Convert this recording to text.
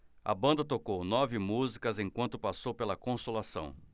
a banda tocou nove músicas enquanto passou pela consolação